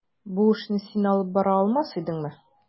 Бу эшне син алып бара алмас идеңме?